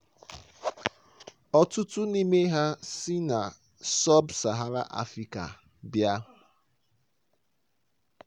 Ọtụtụ n'ime ha sị na sub-Sahara Afrịka bịa.